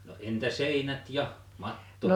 no entä seinät ja matto